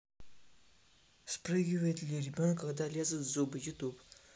вспрыгивает ли ребенок когда лезут зубы youtube